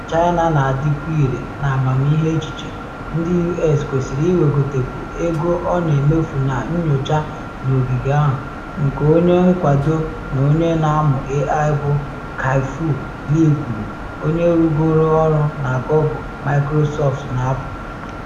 Ka China na adịkwu ire n’amamịghe echiche, ndị U.S. kwesịrị iwegotekwu ego ọ na emefu na nnyocha n’ogige ahụ, nke onye nkwado na onye na amụ AI bu Kai-Fu Lee kwuru, onye rugoro ọrụ na Google Microsoft na Apple.